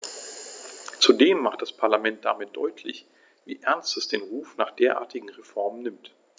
Zudem macht das Parlament damit deutlich, wie ernst es den Ruf nach derartigen Reformen nimmt.